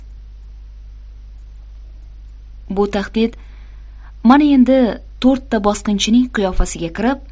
bu tahdid mana endi to'rtta bosqinchining qiyofasiga kirib